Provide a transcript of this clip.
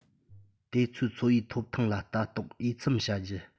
དེ ཚོའི འཚོ བའི ཐོབ ཐང ལ ལྟ རྟོག འོས འཚམ བྱ རྒྱུ